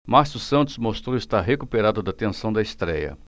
márcio santos mostrou estar recuperado da tensão da estréia